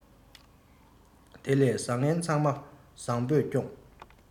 དེ ལས བཟང ངན ཚང མ བཟང པོས སྐྱོངས